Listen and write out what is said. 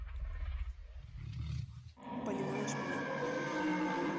понимаешь меня